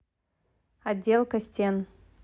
отделка стен